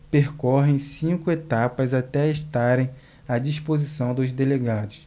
percorrem cinco etapas até estarem à disposição dos delegados